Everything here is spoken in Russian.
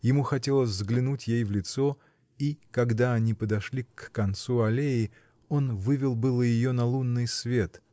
Ему хотелось взглянуть ей в лицо, и когда они подошли к концу аллеи, он вывел было ее на лунный свет.